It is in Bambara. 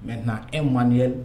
Maintenant un manuel